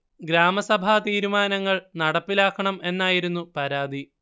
ഗ്രാമസഭാ തീരുമാനങ്ങൾ നടപ്പിലാക്കണം എന്നായിരുന്നു പരാതി